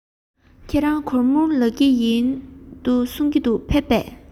ཁྱེད རང གོར མོ ལ འགྲོ རྒྱུ ཡིན གསུང པས ཕེབས སོང ངམ